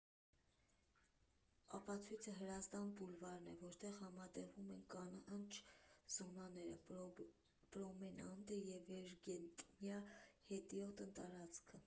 Ապացույցը՝ Հրազդան բուլվարն է, որտեղ համատեղվում են կանաչ զոնաները, պրոմենադը և վերգետնյա հետիոտն տարածքը։